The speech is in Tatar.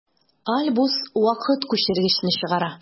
Альбус вакыт күчергечне чыгара.